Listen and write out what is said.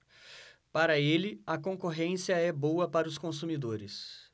para ele a concorrência é boa para os consumidores